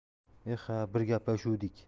e ha bir gaplashuvdik